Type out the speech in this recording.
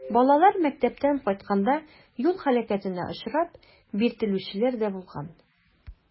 Балалар мәктәптән кайтканда юл һәлакәтенә очрап, биртелүчеләр дә булган.